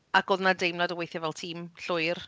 Ac oedd 'na deimlad o weithio fel tîm llwyr